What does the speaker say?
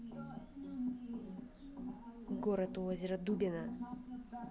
город озера дубина